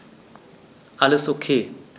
Alles OK.